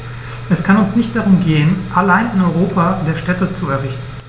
Es kann uns nicht darum gehen, allein ein Europa der Städte zu errichten.